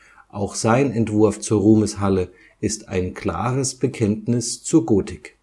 Auch sein Entwurf zur Ruhmeshalle ist ein klares Bekenntnis zur Gotik